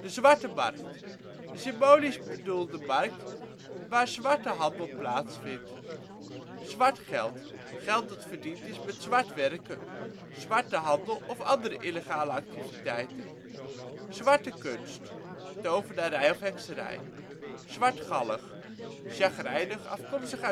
zwarte markt - de symbolisch bedoelde markt waar zwarte handel plaatsvindt. Zwart geld, geld dat verdiend is met zwart werken, zwarte handel of andere illegale activiteiten. Zwarte kunst - tovenarij, hekserij Zwartgallig - chagrijnig, afkomstig